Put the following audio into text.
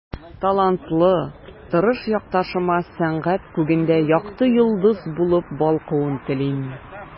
Талантлы, тырыш якташыма сәнгать күгендә якты йолдыз булып балкуын телим.